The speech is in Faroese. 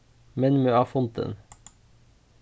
minn meg á fundin